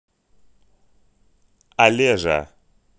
олежа